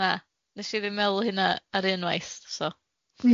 Na, nesh i ddim meddwl o hynna ar un waith, so.